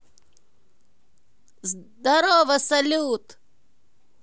здорово салют